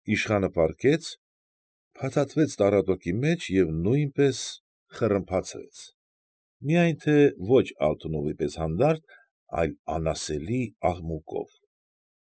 Իշխանը պառկեց, փաթաթվեց տառակոտի մեջ և նույնպես խռմփացրեց, միայն ոչ Ալթունովի պես հանդարտ, այլ անասելի աղմուկով։